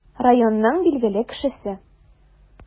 Районның билгеле кешесе.